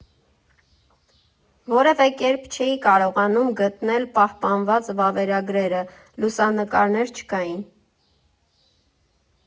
Որևէ կերպ չէի կարողանում գտնել պահպանված վավերագրերը՝ լուսանկարներ չկային։